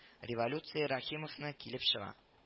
Революция Рәхимовны килеп чыга